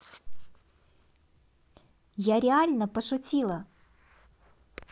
я реально пошутила